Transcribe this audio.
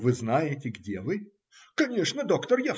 - Вы знаете, где вы? - Конечно, доктор!